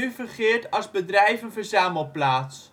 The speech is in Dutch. fungeert als bedrijvenverzamelplaats